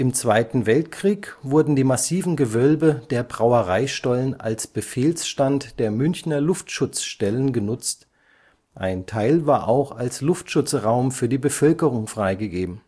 Zweiten Weltkrieg wurden die massiven Gewölbe der Brauereistollen als Befehlsstand der Münchner Luftschutzstellen genutzt, ein Teil war auch als Luftschutzraum für die Bevölkerung freigegeben